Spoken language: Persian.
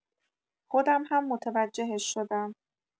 خودم هم متوجهش شدم.